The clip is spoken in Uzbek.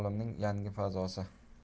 olimning yangi fazosi